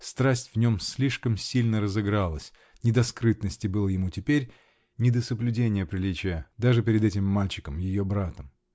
Страсть в нем слишком сильно разыгралась: не до скрытности было ему теперь, не до соблюдения приличия -- даже перед этим мальчиком, ее братом.